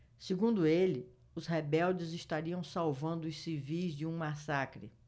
segundo ele os rebeldes estariam salvando os civis de um massacre